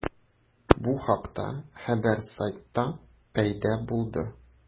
Бу хакта хәбәр сайтта пәйда булды.